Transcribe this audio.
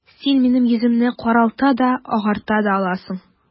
Син минем йөземне каралта да, агарта да аласың...